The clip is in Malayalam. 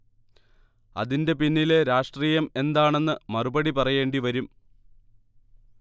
അതിന്റെ പിന്നിലെ രാഷ്ട്രീയം എന്താണെന്ന് മറുപടി പറയേണ്ടി വരും